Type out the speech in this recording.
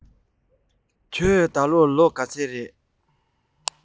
ཁྱེད རང ལོ ག ཚོད རེས